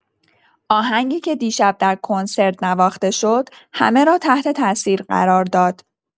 آهنگی که دیشب در کنسرت نواخته شد، همه را تحت‌تأثیر قرار داد.